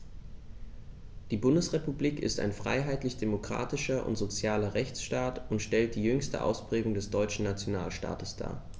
Die Bundesrepublik ist ein freiheitlich-demokratischer und sozialer Rechtsstaat und stellt die jüngste Ausprägung des deutschen Nationalstaates dar.